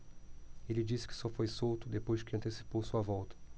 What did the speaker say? ele disse que só foi solto depois que antecipou sua volta